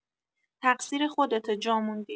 تقصیر خودته جا موندی.